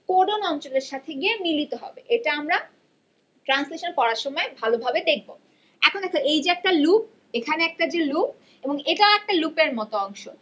codon অঞ্চলের সাথে গিয়ে মিলিত হবে এটা আমরা ট্রানসলেশন পড়ার সময় ভালভাবে দেখব এখন দেখো এই যে একটা লুপ এখানে একটা যে লুপ এবং এটাও একটা লুপ এর মত অংশ